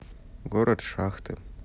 город шахты